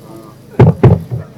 Wa